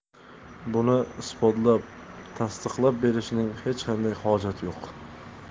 buni isbotlab tasdiqlab berishning hech qanday hojati yo'q